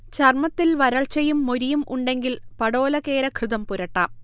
ചർമത്തിൽ വരൾച്ചയും മൊരിയും ഉണ്ടെങ്കിൽ പടോലകേരഘൃതം പുരട്ടാം